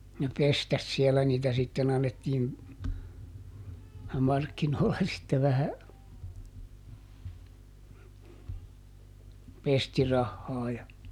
ne pestasi siellä niitä sitten annettiin markkinoilla sitten vähän pestirahaa ja